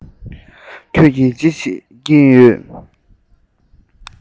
ཁྱོད ཀྱིས ཅི བྱེད ཀྱིན ཡོད